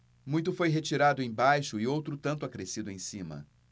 muito foi retirado embaixo e outro tanto acrescido em cima